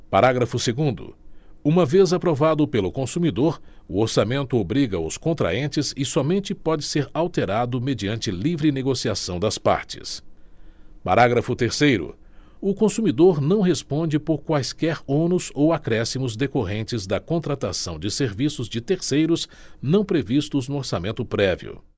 parágrafo segundo uma vez aprovado pelo consumidor o orçamento obriga os contraentes e somente pode ser alterado mediante livre negociação das partes parágrafo terceiro o consumidor não responde por quaisquer ônus ou acréscimos decorrentes da contratação de serviços de terceiros não previstos no orçamento prévio